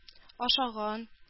Ашаган